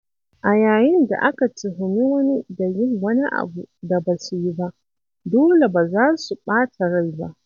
A yayin da aka tuhumi wani da yin wani abu da ba su yi ba, dole ba za su ɓata rai ba.